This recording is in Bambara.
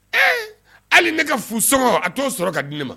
Ee ali ne ka fu sɔŋɔ a t'o sɔrɔ ka di ne ma